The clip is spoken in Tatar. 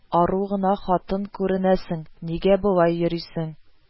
– ару гына хатын күренәсең, нигә болай йөрисең